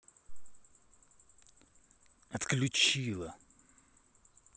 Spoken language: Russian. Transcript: отключила